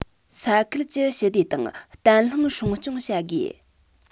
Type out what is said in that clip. ས ཁུལ གྱི ཞི བདེ དང བརྟན ལྷིང སྲུང སྐྱོང བྱ དགོས